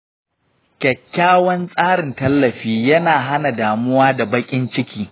kyakkyawan tsarin tallafi yana hana damuwa da baƙin ciki.